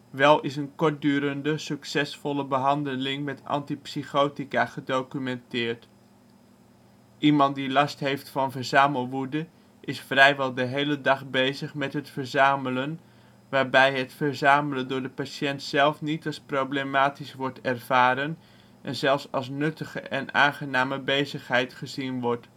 Wel is een kortdurende succesvolle behandelingen met antipsychotica gedocumenteerd. Iemand die last heeft van verzamelwoede is vrijwel de hele dag bezig met het verzamelen, waarbij het verzamelen door de patiënt zelf niet als problematisch wordt ervaren en zelfs als nuttige en aangename bezigheid gezien wordt